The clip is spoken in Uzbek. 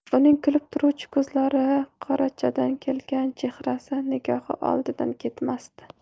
uning kulib turuvchi ko'zlari qorachadan kelgan chehrasi nigohi oldidan ketmasdi